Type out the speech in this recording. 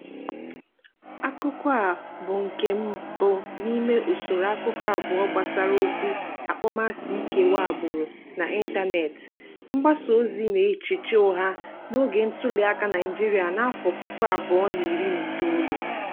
Akụkọ a bụ nke mbụ n'ime usoro akụkọ abụọ gbasara okwu akpọmasị ịkewa agbụrụ n'ịntaneetị, mgbasaozi na echiche ụgha n'oge ntuliaka Naịjirịa n'afọ puku abụọ na iri na itoolu.